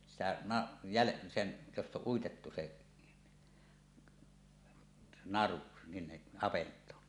sitä --- josta on uitettu se naru sinne avantoon